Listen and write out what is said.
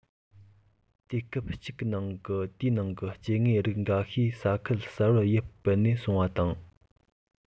དུས སྐབས གཅིག གི ནང དེའི ནང གི སྐྱེ དངོས རིགས འགའ ཤས ས ཁུལ གསར པར ཡུལ སྤོས ནས སོང བ དང